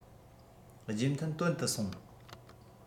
རྗེས མཐུན སྟོན དུ སོང